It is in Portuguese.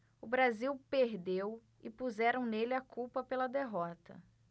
o brasil perdeu e puseram nele a culpa pela derrota